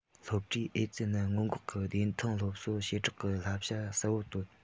སློབ གྲྭའི ཨེ ཙི ནད སྔོན འགོག གི བདེ ཐང སློབ གསོར བྱེ བྲག གི བླང བྱ གསལ བོ བཏོན